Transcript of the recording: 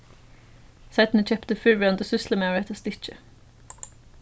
seinni keypti fyrrverandi sýslumaður hetta stykkið